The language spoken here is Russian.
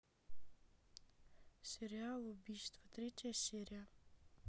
сериал убийство третья серия